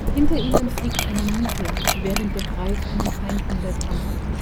Hinten ihnen fliegt eine Nike, während der Greif einen Feind niedertrampelt